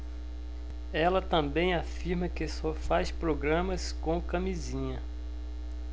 ela também afirma que só faz programas com camisinha